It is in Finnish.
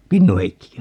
Kinnu-Heikkikö